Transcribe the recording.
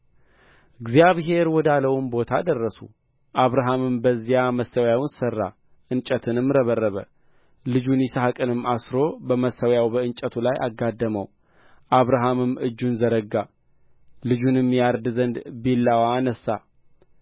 እግዚአብሔር ወዳለውም ቦታ ደረሱ አብርሃምም በዚያ መሠዊያውን ሠራ እንጨትንም ረበረበ ልጁን ይስሐቅንም አስሮ በመሠዊያው በእንጨቱ ላይ አጋደመው አብርሃምም እጁን ዘረጋ ልጁንም ያርድ ዘንድ ቢላዋ አነሣ